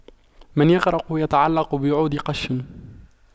من يغرق يتعلق بعود قش